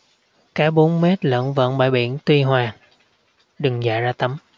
cá bốn mét lởn vởn bãi biển tuy hòa đừng dại ra tắm